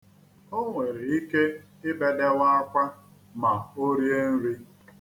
O nwere ike ibedewe akwa ma o rie nri.